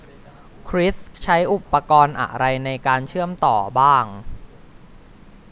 คริสใช้อุปกรณ์อะไรในการเชื่อมต่อบ้าง